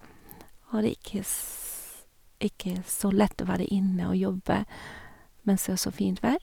Og det er ikke s ikke så lett å være inne og jobbe mens det er så fint vær.